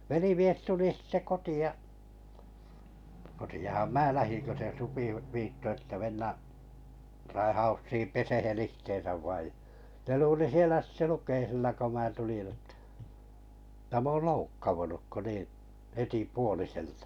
velimies tuli sitten kotiin kotiinhan minä lähdin kun se supi - viittoi että mennä raihaussiin pesemään itseänsä vain ja ne luuli siellä sitten lukeisilla kun minä tulin jotta että minä olen loukkautunut kun niin heti puoliselta